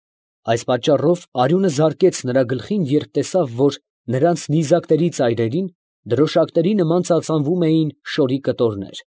Այս պատճառով արյունը զարկեց նրա գլխին, երբ տեսավ, որ նրանց նիզակների ծայրերին դրոշակների նման ծածանվում էին շորի կտորներ։